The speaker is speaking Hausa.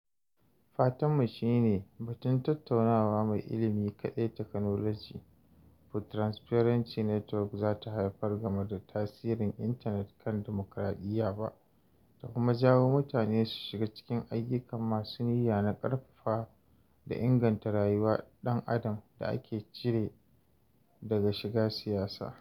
Fatanmu shi ne ba tattaunawa mai ilimi kaɗai Technology for Transparency Network za ta haifar game da tasirin Intanet kan dimokiradiyya ba, ta kuma jawo mutane su shiga cikin ayyuka masu niyya na ƙarfafawa da inganta rayuwar ɗan adam da aka cire daga shiga siyasa.